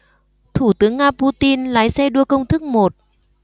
thủ tướng nga putin lái xe đua công thức một